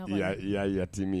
I y'a i y'a yati min ye